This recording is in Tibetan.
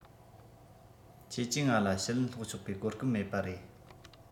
ཁྱེད ཀྱིས ང ལ ཞུ ལན བསློགས ཆོག པའི གོ སྐབས མེད པ རེད